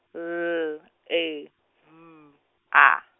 L E V A.